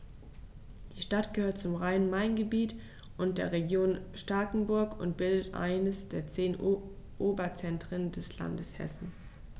Die Stadt gehört zum Rhein-Main-Gebiet und der Region Starkenburg und bildet eines der zehn Oberzentren des Landes Hessen.